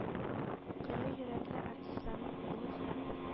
Кыю йөрәкле артистларның олы һәм